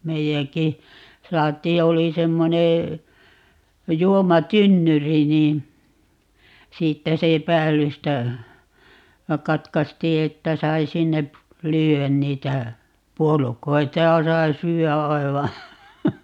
meidänkin saatiin ja oli semmoinen juomatynnyri niin siitä se päällystä katkaistiin että sai sinne lyödä niitä puolukoita ja sai syödä aivan